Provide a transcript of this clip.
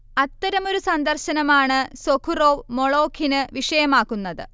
അത്തരമൊരു സന്ദർശനമാണ് സൊഖുറോവ് മൊളോഖിന് വിഷയമാക്കുന്നത്